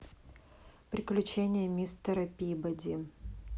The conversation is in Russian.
приключения мистера пибоди